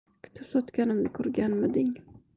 kitob sotganimni ko'rganmiding